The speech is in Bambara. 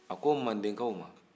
a ko mandenkaw ma